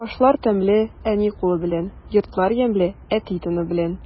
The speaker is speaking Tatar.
Ашлар тәмле әни кулы белән, йортлар ямьле әти тыны белән.